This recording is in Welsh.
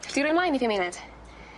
Gall di roi mlaen i fi am uned?